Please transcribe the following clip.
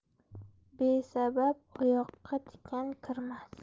besabab oyoqqa tikan kirmas